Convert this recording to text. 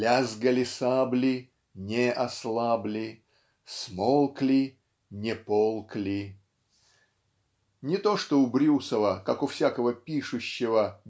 "лязги сабли -- не ослабли" "смолкли -- не полк ли". Не то чтобы у Брюсова как у всякого пишущего